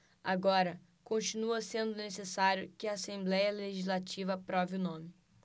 agora continua sendo necessário que a assembléia legislativa aprove o nome